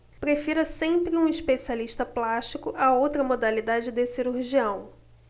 prefira sempre um especialista plástico a outra modalidade de cirurgião